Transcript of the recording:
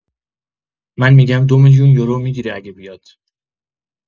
من می‌گم ۲ میلیون یورو می‌گیره اگه بیاد